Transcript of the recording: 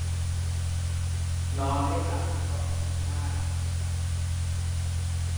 นอนไม่หลับเพราะคิดมาก